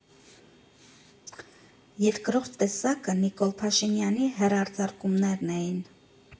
Երկրորդ տեսակը Նիկոլ Փաշինյանի հեռարձակումներն էին։